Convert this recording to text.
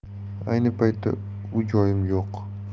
ayni paytda uy joyim yo'q